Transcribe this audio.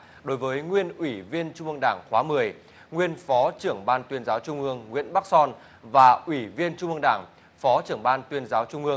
đối với nguyên ủy viên trung ương đảng khóa mười nguyên phó trưởng ban tuyên giáo trung ương nguyễn bắc son và ủy viên trung ương đảng phó trưởng ban tuyên giáo trung ương